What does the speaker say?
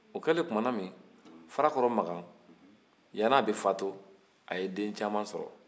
o kɛlen tumna min farakɔrɔ makan yan'a bɛ fatu a ye den caman sɔrɔ